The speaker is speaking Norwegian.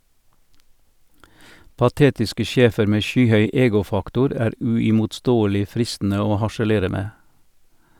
Patetiske sjefer med skyhøy ego-faktor er uimotståelig fristende å harselere med.